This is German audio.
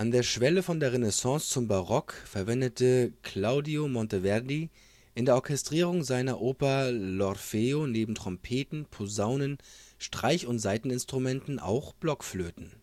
der Schwelle von der Renaissance zum Barock verwendete Claudio Monteverdi in der Orchestrierung seiner Oper L'Orfeo neben Trompeten, Posaunen, Streich - und Saiteninstrumenten auch Blockflöten